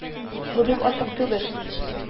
Бу бик ачык түгел...